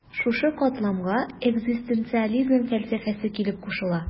Шушы катламга экзистенциализм фәлсәфәсе килеп кушыла.